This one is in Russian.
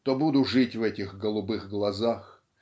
то буду жить в этих голубых глазах